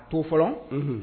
To fɔlɔ, unhun.